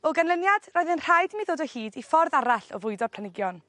o ganlyniad roedd yn rhaid i mi ddod o hyd i ffordd arall o fwydo planigion.